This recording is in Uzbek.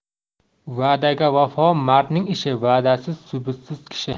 va'daga vafo mardning ishi va'dasiz subutsiz kishi